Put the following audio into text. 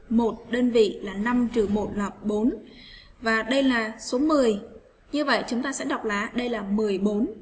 một đơn vị là là và đây là số như vậy chúng ta sẽ đọc đây là